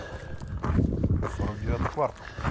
сорок девятый квартал